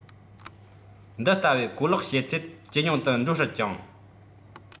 འདི ལྟ བུའི གོ ལོག བྱེད ཚད ཇེ ཉུང དུ འགྲོ སྲིད ཅིང